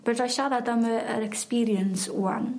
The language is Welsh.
Fedrai siarad am yy yr experience ŵan